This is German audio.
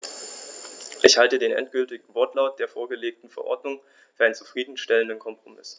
Ich halte den endgültigen Wortlaut der vorgelegten Verordnung für einen zufrieden stellenden Kompromiss.